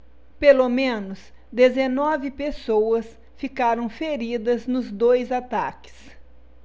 pelo menos dezenove pessoas ficaram feridas nos dois ataques